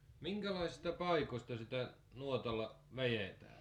minkälaisista paikoista sitä nuotalla vedetään